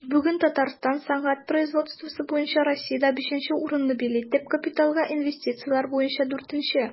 Бүген Татарстан сәнәгать производствосы буенча Россиядә 5 нче урынны били, төп капиталга инвестицияләр буенча 4 нче.